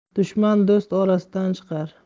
dushman do'st orasidan chiqar